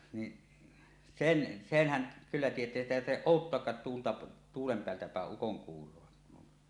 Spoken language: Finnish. niin sen senhän kyllä tietää sitä ei tarvitse odottaakaan tuulta tuulen päältä päin ukonkuuroa